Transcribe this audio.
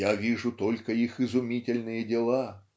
я вижу только их изумительные дела".